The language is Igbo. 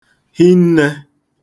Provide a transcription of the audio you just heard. hinne